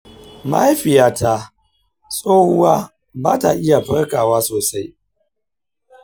mahaifiyata tsohuwa ba ta iya farkawa sosai.